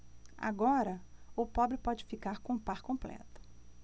agora o pobre pode ficar com o par completo